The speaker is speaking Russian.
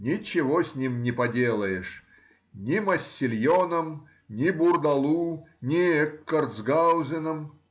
Ничего с ним не поделаешь,— ни Массильоном, ни Бурдалу, ни Эккартсгаузеном.